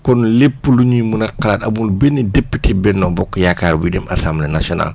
kon lépp lu ñuy mën a xalaat amul benn député Bennoo Bokk Yaakaar buy dem assemblée nationale